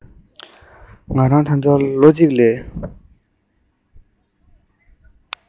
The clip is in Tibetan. ང རང ད ལྟ ལོ གཅིག ལས